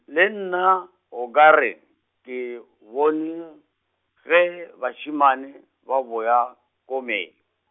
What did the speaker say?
le nna o ka re, ke bone, ge bašemane ba boya, komeng.